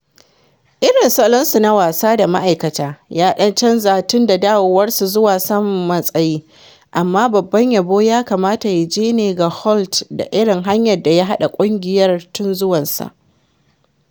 Irin salonsu na wasa da ma’aikata ya dan canza tun da dawowarsu zuwa saman matsayi, amma babban yabo ya kamata ya je ne ga Holt da irin hanyar da ya haɗa ƙungiyar tun zuwansa.